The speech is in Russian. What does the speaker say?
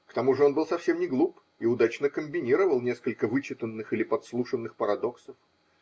к тому же он был совсем не глуп и удачно комбинировал несколько вычитанных или подслушанных парадоксов.